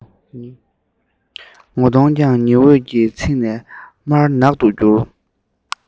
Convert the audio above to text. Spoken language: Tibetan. ངོ གདོང ཀྱང ཉི འོད ཀྱིས ཚིག ནས དམར ནག ཏུ གྱུར